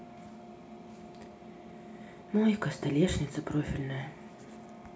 мойка столешница профильная